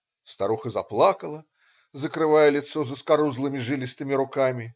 "-старуха заплакала, закрывая лицо заскорузлыми, жилистыми руками.